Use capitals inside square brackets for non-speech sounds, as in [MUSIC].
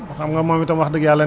[HESITATION] [HESITATION] d' accord